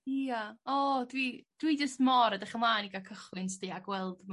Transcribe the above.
Ia oh dwi dwi jyst mor edrych ymlaen i ga'l cychwyn sti a gweld be'